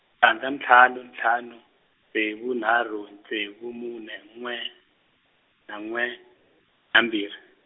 tandza ntlhanu ntlhanu, ntsevu nharhu ntsevu mune n'we, na n'we, na mbirhi.